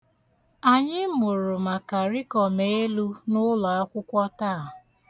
Anyị mụrụ maka rịkọmelu n'ụlọakwụkwọ taa.